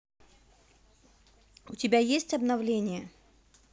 у тебя есть обновления